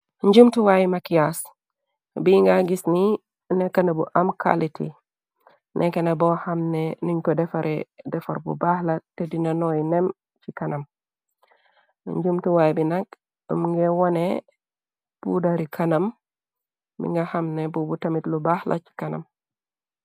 Njumtuwaayu machias, bi nga gis ni nekahna bu am kaliteh, nekahna bor xamne nungh kor defareh defarr bu bakh la, teh dina nooy nehm ci kanam, njumtuwaay bi nak munge woneh pudari kanam mi nga xamne bobu tamit lu bakh la chi kanam.